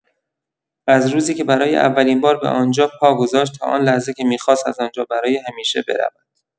از روزی که برای اولین‌بار به آن‌جا پا گذاشت تا آن لحظه که می‌خواست از آن‌جا برای همیشه برود